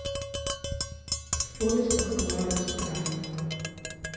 в поисках кладов странник